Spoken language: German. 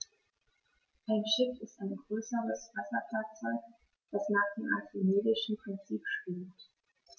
Ein Schiff ist ein größeres Wasserfahrzeug, das nach dem archimedischen Prinzip schwimmt.